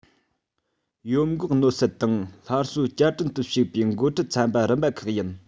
ཡོམ འགོག གནོད སེལ དང སླར གསོ བསྐྱར སྐྲུན དུ ཞུགས པའི འགོ ཁྲིད ཚན པ རིམ པ ཁག ཡིན